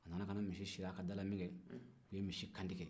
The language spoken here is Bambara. a nana ka na misi sir'a ka da la min kɛ o nana ka na misi kantigɛ